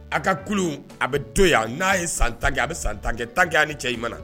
Aw ka kulu a bɛ don yan n'a ye san tan a bɛ san tan tan ni cɛmana na